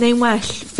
neu'n well